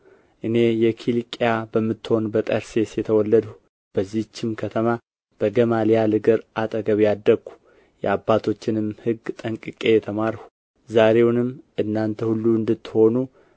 እኔ የኪልቅያ በምትሆን በጠርሴስ የተወለድሁ በዚችም ከተማ በገማልያል እግር አጠገብ ያደግሁ የአባቶችንም ሕግ ጠንቅቄ የተማርሁ ዛሬውንም እናንተ ሁሉ እንድትሆኑ